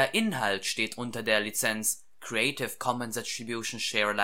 Inhalt steht unter der Lizenz Creative Commons Attribution Share